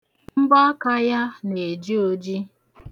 Mbọaka ya na-eji oji.